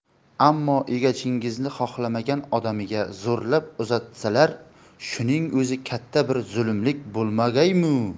ammo egachingizni xohlamagan odamiga zo'rlab uzatsalar shuning o'zi katta bir zolimlik bo'lmagaymi